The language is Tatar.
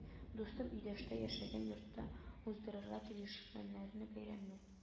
Дустым өйдәштә яшәгән йортта уздырырга килешкәннәрне бәйрәмне